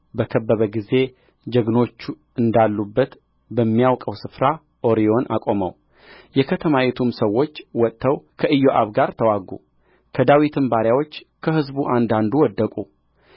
በከበበ ጊዜ ጀግኖች እንዳሉበት በሚያውቀው ስፍራ ኦርዮን አቆመው የከተማይቱም ሰዎች ወጥተው ከኢዮአብ ጋር ተዋጉ ከዳዊትም ባሪያዎች ከሕዝቡ አንዳንዱ ወደቁ